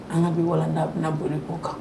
An ka bɛ wala n bɛna bɔnen ko kan